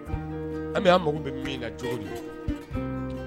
An bɛ an mako bɛ min na jɔn de ye